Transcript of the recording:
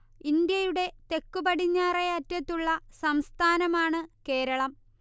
ഇന്ത്യയുടെ തെക്കുപടിഞ്ഞാറെ അറ്റത്തുള്ള സംസ്ഥാനമാണ് കേരളം